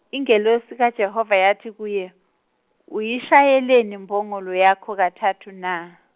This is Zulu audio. ingelosi kaJehova yathi kuye, uyishayeleni imbongolo yakho kathathu na?